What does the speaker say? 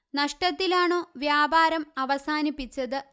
നഷ്ടത്തിലാണു വ്യാപാരം അവസാനിപ്പിച്ചത്